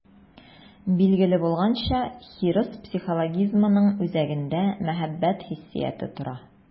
Билгеле булганча, хирыс психологизмының үзәгендә мәхәббәт хиссияте тора.